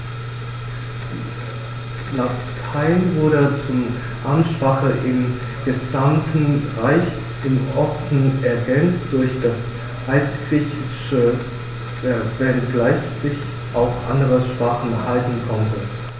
Latein wurde zur Amtssprache im gesamten Reich (im Osten ergänzt durch das Altgriechische), wenngleich sich auch andere Sprachen halten konnten.